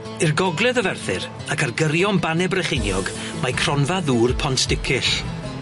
I'r gogledd o Ferthyr ac ar gyrion Banne Brycheiniog mae cronfa ddŵr Pont Sticyll.